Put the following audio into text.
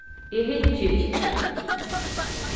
eg hyggi ikki